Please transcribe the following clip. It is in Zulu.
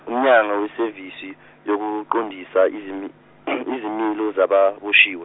uMnyango weSevisi yokuqondisa izimi- izimilo zababoshiwe.